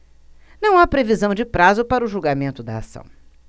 não há previsão de prazo para o julgamento da ação